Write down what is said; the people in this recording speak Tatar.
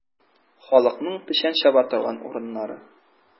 Халыкның печән чаба торган урыннары.